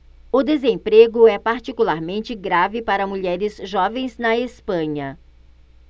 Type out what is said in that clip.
o desemprego é particularmente grave para mulheres jovens na espanha